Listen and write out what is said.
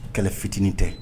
Kɛlɛ fitinin tɛ